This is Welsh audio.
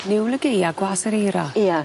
Niwl y gaea gwas yr eira? Ia.